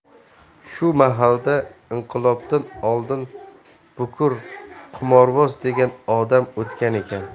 shu mahallada inqilobdan oldin bukir qimorvoz degan odam o'tgan ekan